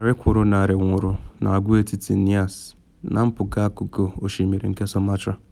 Narị kwụrụ narị nwụrụ na Agwaetiti Nias, na mpụga akụkụ osimiri nke Sumatra.